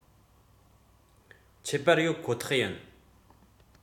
ཁྱད པར ཡོད ཁོ ཐག ཡིན